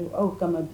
Aw kana b